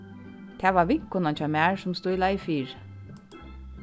tað var vinkonan hjá mær sum stílaði fyri